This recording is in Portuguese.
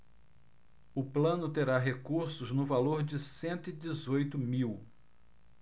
o plano terá recursos no valor de cento e dezoito mil